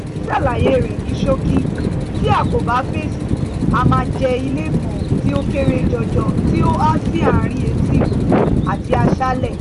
Ó ṣàlàyé rẹ̀ ní ṣókí: "Tí a kò bá fèsì, a máa jẹ́ ilé kan tí ó kéré jọjọ tí ó há sí àárín etíkun àti aṣálẹ̀.